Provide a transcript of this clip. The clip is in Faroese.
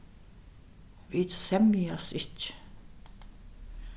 vit semjast ikki